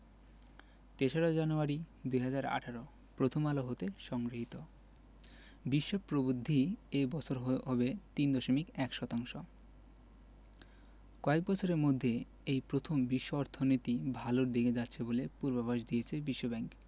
তেষরা January ২০১৮ প্রথম আলো হতে সংগৃহীত বিশ্ব প্রবৃদ্ধি এ বছর হবে ৩.১ শতাংশ কয়েক বছরের মধ্যে এই প্রথম বিশ্ব অর্থনীতি ভালোর দিকে যাচ্ছে বলে পূর্বাভাস দিয়েছে বিশ্বব্যাংক